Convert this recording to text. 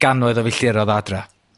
gannoedd o filltirodd o adra?